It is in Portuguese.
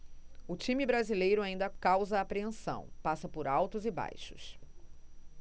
o time brasileiro ainda causa apreensão passa por altos e baixos